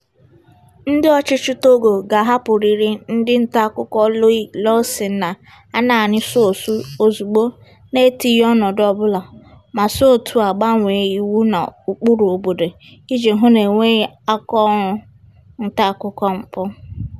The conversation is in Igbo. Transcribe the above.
Ndị ọchịchị Togo ga-ahapụrịrị ndị ntaakụkọ Loïc Lawson na Anani Sossou ozugbo n'etighị ọnọdụ ọbụla, ma si otú a gbanwee iwu na ụkpụrụ obodo i ji hụ na emeghị akaọrụ ntaakụkọ mpụ.